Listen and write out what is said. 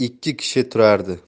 ikki kishi turardi